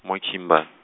mo Kimber-.